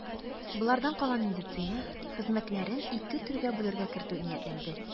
Болардан кала медицина хезмәтләрен ике төргә бүләргә кертү ниятләнде.